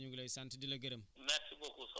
jërëjëf Pierre sant naén la gërëm la